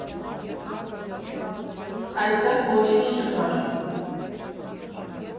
Այստեղ ոչինչ չկար։